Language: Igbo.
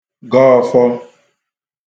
gọ ofọ